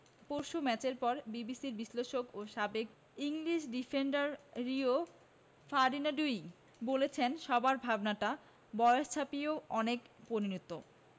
পরশু ম্যাচের পর বিবিসির বিশ্লেষক ও সাবেক ইংলিশ ডিফেন্ডার রিও ফার্ডিনান্ডই বলেছেন সবার ভাবনাটা বয়স ছাপিয়েও ও অনেক পরিণত